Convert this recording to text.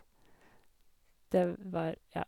Det var, ja.